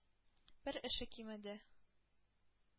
Бер эше кимеде.